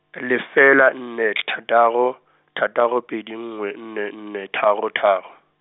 lefela nne thataro, thataro pedi nngwe nne nne tharo tharo.